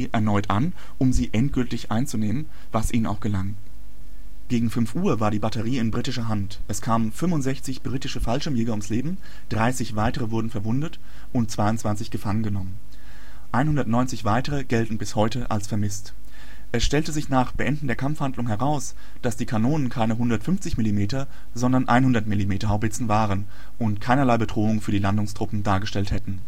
erneut an, um sie endgültig einzunehmen, was ihnen auch gelang. Gegen 05:00 Uhr war die Batterie in britischer Hand. Es kamen 65 britische Fallschirmjäger ums Leben, 30 weitere wurden verwundet und 22 gefangen genommen. 190 weitere gelten bis heute als vermisst. Es stellte sich nach Beenden der Kampfhandlungen heraus, dass die Kanonen keine 150-mm-sondern 100-mm-Haubitzen waren und keinerlei Bedrohung für die Landungstruppen dargestellt hätten